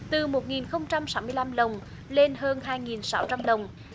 từ một nghìn không trăm sáu mươi lăm lồng lên hơn hai nghìn sáu trăm lồng